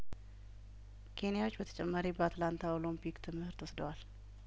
ኬንያዎች በተጨማሪ በአትላንታ ኦሎምፒክ ትምህርት ወስደዋል